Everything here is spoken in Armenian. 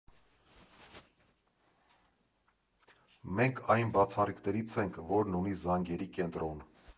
Մենք այն բացառիկներից ենք, որն ունի զանգերի կենտրոն։